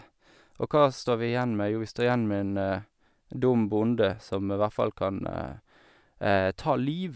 Og hva står vi igjen med, jo, vi står igjen med en dum bonde som hvert fall kan ta liv.